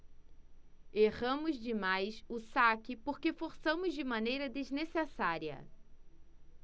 erramos demais o saque porque forçamos de maneira desnecessária